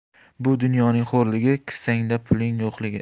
bu dunyoning xo'rligi kissangda pulning yo'qligi